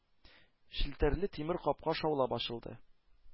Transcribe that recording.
Челтәрле тимер капка шаулап ачылды.